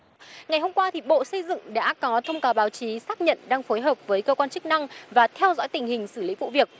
ngày hôm qua thì bộ xây dựng đã có thông cáo báo chí xác nhận đang phối hợp với cơ quan chức năng và theo dõi tình hình xử lý vụ việc